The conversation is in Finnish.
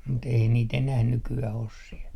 mutta ei niitä enää nykyään ole siellä